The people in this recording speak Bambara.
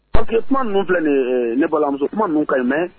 Aw kuma ninnu filɛ nin ne balalamuso kuma ninnu ka ɲi mɛn